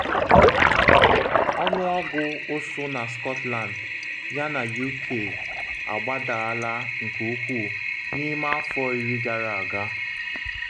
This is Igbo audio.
Ọnụọgụ ụsụ na Scotland yana UK agbadaala nke ukwuu n’ime afọ iri gara aga.